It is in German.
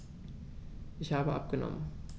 Ich habe abgenommen.